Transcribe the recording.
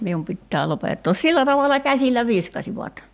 minun pitää lopettaa sillä tavalla käsillä viskasivat